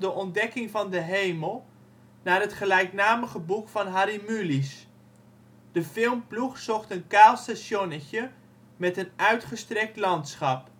ontdekking van de hemel, naar het gelijknamige boek van Harry Mulisch. De filmploeg zocht een kaal stationnetje met een uitgestrekt landschap